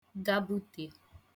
gabute